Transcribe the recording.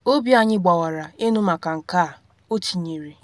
“Obi anyị gbawara ịnụ maka nke a,” o tinyere.